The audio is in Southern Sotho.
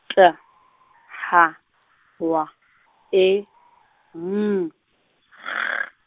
T H W E N G.